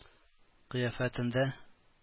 Кыяфәтендә